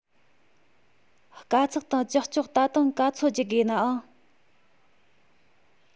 དཀའ ཚེགས དང ཀྱག ཀྱོག ད དུང ག ཚོད བརྒྱུད དགོས ནའང